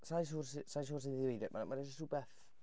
Sa i'n siŵr su- sai'n siŵr sut i ddweud e, ma' ma' 'na jyst rywbeth...